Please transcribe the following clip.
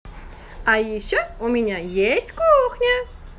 а еще у меня есть кухня